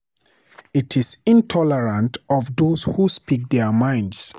It is intolerant of those who speak their minds